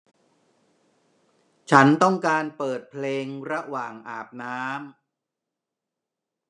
ฉันต้องการเปิดเพลงระหว่างอาบน้ำ